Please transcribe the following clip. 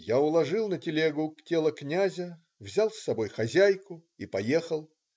" Я уложил на телегу тело князя, взял с собой хозяйку и поехал.